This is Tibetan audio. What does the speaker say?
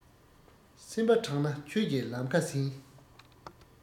སེམས པ དྲང ན ཆོས ཀྱི ལམ ཁ ཟིན